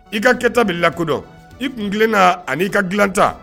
I ka kɛta bila lakodɔn i tun tilenna ani' ka dilan ta